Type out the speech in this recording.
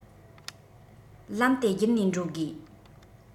ལམ དེ བརྒྱུད ནས འགྲོ དགོས